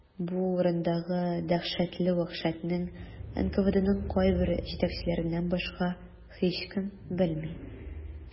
Бу урындагы дәһшәтле вәхшәтне НКВДның кайбер җитәкчеләреннән башка һичкем белми.